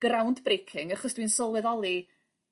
ground breaking achos dwi'n sylweddoli